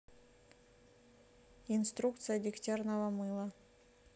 инструкция дегтярного мыла